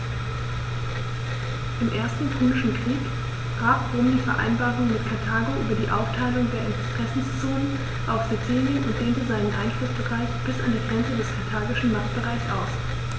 Im Ersten Punischen Krieg brach Rom die Vereinbarung mit Karthago über die Aufteilung der Interessenzonen auf Sizilien und dehnte seinen Einflussbereich bis an die Grenze des karthagischen Machtbereichs aus.